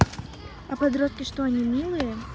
а подростки что они милые